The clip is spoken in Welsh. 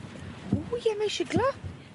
Ww ie mae'n shiglo.